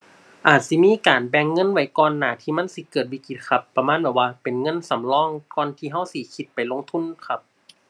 อาจสิมีการแบ่งเงินไว้ก่อนหน้าที่มันสิเกิดวิกฤตครับ ประมาณแบบว่าเป็นเงินสำรองก่อนที่เราสิคิดไปลงทุนครับ